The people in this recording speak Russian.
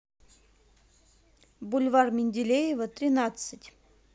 бульвар менделеева тринадцать